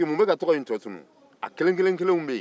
mun bɛka tɔgɔ in tɔ tunun